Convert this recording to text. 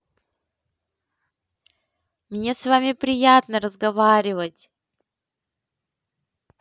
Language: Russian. мне с вами приятно разговаривать